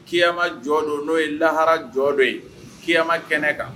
K'iyama jɔ don n'o ye lahara jɔ dɔ ye kiiyama kɛnɛ kan